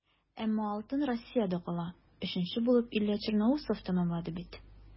Әмма алтын Россиядә кала - өченче булып Илья Черноусов тәмамлады бит.